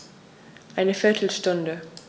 Eine viertel Stunde